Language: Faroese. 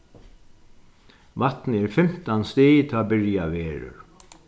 vatnið er fimtan stig tá ið byrjað verður